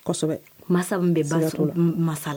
Masa bɛ ba masa la